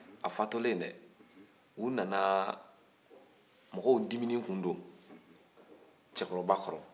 a fatulen dɛ u nana mɔgɔw diminen tun don cɛkɔrɔba kɔrɔ